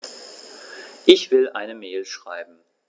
Ich will eine Mail schreiben.